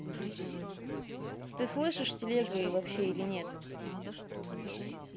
ты слышишь телегой вообще или нет